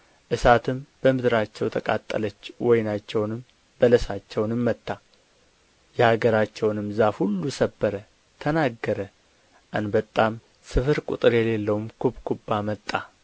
እሳትም በምድራቸው ተቃጠለች ወይናቸውንና በለሳቸውን መታ የአገራቸውንም ዛፍ ሁሉ ሰበረ ተናገረ አንበጣም ስፍር ቍጥር የሌለውም ኩብኩባ መጣ